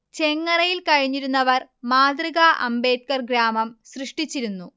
ചെങ്ങറയിൽ കഴിഞ്ഞിരുന്നവർ മാതൃകാ അംബേദ്കർ ഗ്രാമം സൃഷ്ടിച്ചിരുന്നു